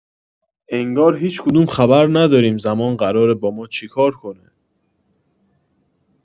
انگار هیچ‌کدوم خبر نداریم زمان قراره با ما چی کار کنه.